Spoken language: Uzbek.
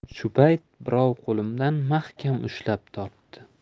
shu payt birov qo'limdan mahkam ushlab tortdi